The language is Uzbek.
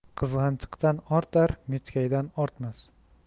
qizg'anchiqdan ortar mechkaydan ortmas